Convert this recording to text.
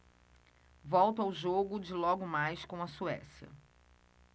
volto ao jogo de logo mais com a suécia